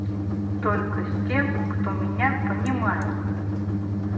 только с тем кто меня понимает